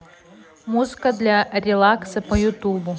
музыка для релакса по ютубу